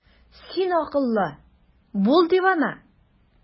Син акыллы, бул дивана!